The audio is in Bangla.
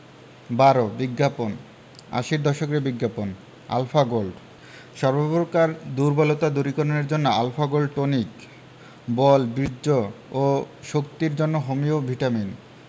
১২ বিজ্ঞাপন আশির দশকের বিজ্ঞাপন আলফা গোল্ড সর্ব প্রকার দুর্বলতা দূরীকরণের জন্য আল্ ফা গোল্ড টনিক –বল বীর্য ও শক্তির জন্য হোমিও ভিটামিন